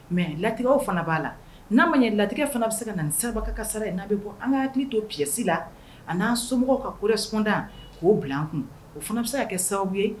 Mɛ latigɛ fana b'a la n'a ma ye latigɛ fana bɛ se ka na saba ka sara in n'a bɛ bɔ an ka to psi la a n'an somɔgɔw ka ko sunda k'o bila kun o fana bɛ se ka kɛ sababu ye